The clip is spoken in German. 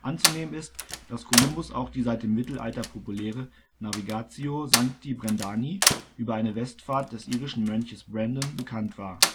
Anzunehmen ist, dass Kolumbus auch die seit dem Mittelalter populäre „ Navigatio Sancti Brendani “über eine Westfahrt des irischen Mönches Brendan bekannt war